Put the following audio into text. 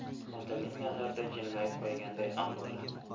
xotinning nazarida jilmayib qo'yganday ham bo'ldi